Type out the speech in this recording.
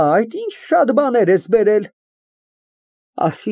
Այդ ի՞նչ շատ բաներ ես բերել։